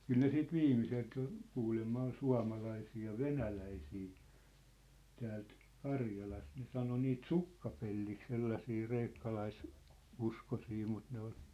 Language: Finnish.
kyllä ne sitten viimeiseltä jo kuulemma oli suomalaisia ja venäläisiä täältä Karjalasta ne sanoi niitä sukkapelliksi sellaisia - kreikkalaisuskoisia mutta ne oli